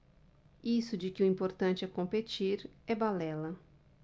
isso de que o importante é competir é balela